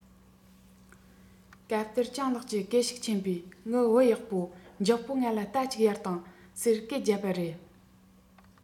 སྐབས དེར སྤྱང ལགས ཀྱིས སྐད ཤུགས ཆེན པོས ངའི བུ ཡག པོ མགྱོགས པོ ང ལ རྟ གཅིག གཡར དང ཟེར སྐད རྒྱབ པ རེད